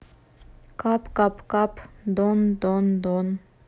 кап кап кап дон дон дон